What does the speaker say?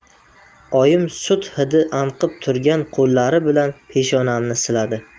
oyim sut hidi anqib turgan qo'llari bilan peshonamni siladi